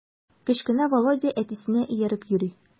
Кечкенә Володя әтисенә ияреп йөри.